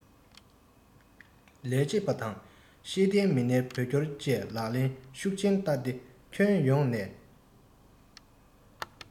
ལས བྱེད པ དང ཤེས ལྡན མི སྣའི བོད སྐྱོར བཅས ལག ལེན ཤུགས ཆེན བསྟར ཏེ ཁྱོན ཡོངས དང